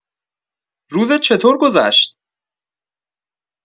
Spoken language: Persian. روزت چطور گذشت؟